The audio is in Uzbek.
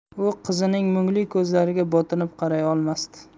u qizining mungli ko'zlariga botinib qaray olmasdi